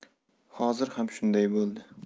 hozir ham shunday bo'ldi